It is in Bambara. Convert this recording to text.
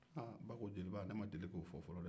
aa ba ko jeliba ne ma deli k'o fɔ fɔlɔ dɛɛ